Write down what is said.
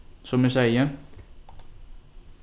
sum eg segði